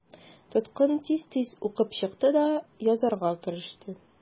Тоткын тиз-тиз укып чыкты да язарга кереште.